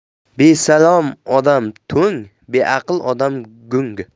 besalom odam to'ng beaql odam gung